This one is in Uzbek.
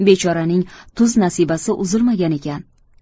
bechoraning tuz nasibasi uzilmagan ekan